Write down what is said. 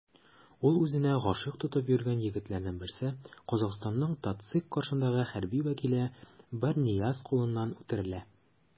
Ул үзенә гашыйк тотып йөргән егетләрнең берсе - Казахстанның ТатЦИК каршындагы хәрби вәкиле Бернияз кулыннан үтерелә.